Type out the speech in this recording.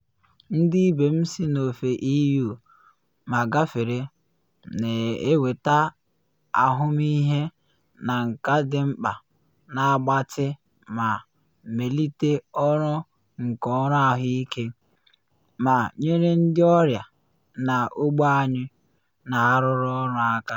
Ndị ibe m si n’ofe EU, ma gafere, na eweta ahụmịhe na nka dị mkpa na agbatị ma melite ọrụ nke ọrụ ahụike, ma nyere ndị ọrịa na ogbe anyị na arụrụ ọrụ aka.